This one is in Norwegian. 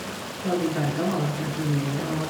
Fra de berga var det omtrent umulig å...